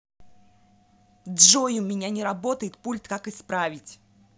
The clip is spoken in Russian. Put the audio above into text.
джой у меня не работает пульт как исправить